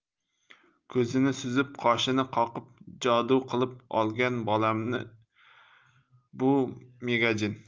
ko'zini suzib qoshini qoqib jodu qilib olgan bolamni bu megajin